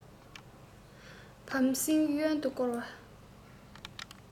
བམ སྲིང གཡོན སྐོར བས